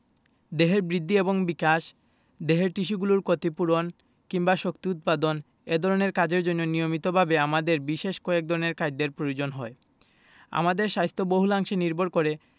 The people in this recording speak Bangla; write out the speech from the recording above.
দেহের বৃদ্ধি এবং বিকাশ দেহের টিস্যুগুলোর ক্ষতি পূরণ কিংবা শক্তি উৎপাদন এ ধরনের কাজের জন্য নিয়মিতভাবে আমাদের বিশেষ কয়েক ধরনের খাদ্যের প্রয়োজন হয় আমাদের স্বাস্থ্য বহুলাংশে নির্ভর করে